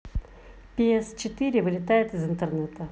пи эс четыре вылетает из интернета